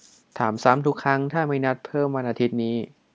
ถามซ้ำทุกครั้งถ้ามีนัดเพิ่มวันอาทิตย์นี้